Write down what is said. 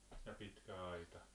ja pitkä aita